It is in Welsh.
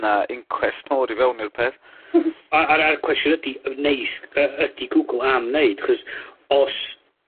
'na inquest mowr i fewn i'r peth. . A a'r a'r cwestiwn ydi neis yy ydi Google am neud 'chos os